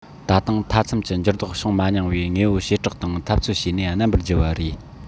ད དུང མཐའ མཚམས ཀྱི འགྱུར ལྡོག བྱུང མ མྱོང བའི དངོས པོའི བྱེ བྲག དང འཐབ རྩོད བྱས ནས རྣམ པར རྒྱལ བ རེད